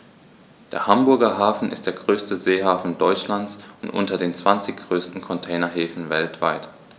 Der Hamburger Hafen ist der größte Seehafen Deutschlands und unter den zwanzig größten Containerhäfen weltweit.